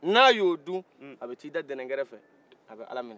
n'a yo dun a bɛ t'i da dindin kɛrɛfɛ a bɛ ala minɛ